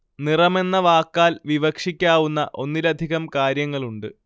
നിറമെന്ന വാക്കാൽ വിവക്ഷിക്കാവുന്ന ഒന്നിലധികം കാര്യങ്ങളുണ്ട്